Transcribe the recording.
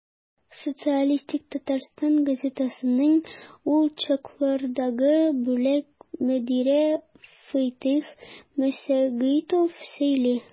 «социалистик татарстан» газетасының ул чаклардагы бүлек мөдире фатыйх мөсәгыйтов сөйли.